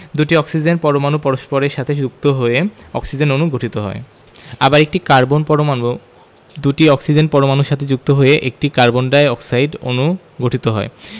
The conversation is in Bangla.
দুটি অক্সিজেন পরমাণু পরস্পরের সাথে যুক্ত হয়ে অক্সিজেন অণু গঠিত হয় আবার একটি কার্বন পরমাণু দুটি অক্সিজেন পরমাণুর সাথে যুক্ত হয়ে একটি কার্বন ডাই অক্সাইড অণু গঠিত হয়